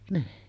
niin